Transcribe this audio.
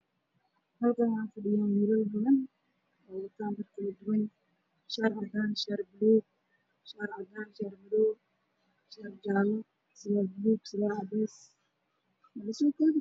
Waa meel ay isku imaadeen dad aada u fara badan oo ay fadhiyaan waana niman waxa ay wataan fanaanada shaatiyo